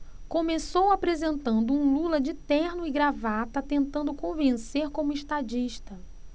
começou apresentando um lula de terno e gravata tentando convencer como estadista